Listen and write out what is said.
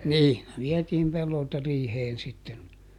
niin vietiin pellolta riiheen sitten